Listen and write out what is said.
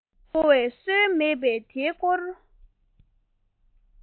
བསྐོ བའི སྲོལ མེད པས དེའི སྐོར